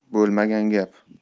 bo'lmagan gap